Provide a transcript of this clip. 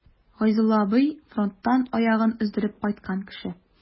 Гайзулла абый— фронттан аягын өздереп кайткан кеше.